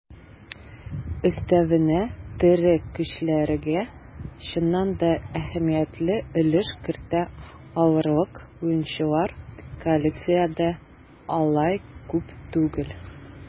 Өстәвенә, тере көчләргә чыннан да әһәмиятле өлеш кертә алырлык уенчылар коалициядә алай күп түгел.